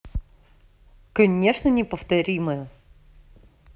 конечно неповторимая